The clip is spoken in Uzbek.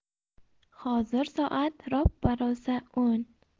hozir soat roppa rosa o'n